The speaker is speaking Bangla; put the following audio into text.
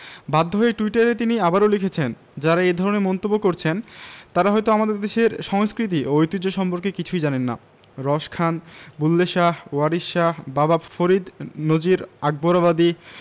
বাধ্য হয়ে টুইটারে তিনি আবারও লিখেছেন যাঁরা এ ধরনের মন্তব্য করছেন তাঁরা হয়তো আমাদের দেশের সংস্কৃতি এবং ঐতিহ্য সম্পর্কে কিছুই জানেন না রস খান বুল্লে শাহ ওয়ারিশ শাহ বাবা ফরিদ নজির আকবরাবাদি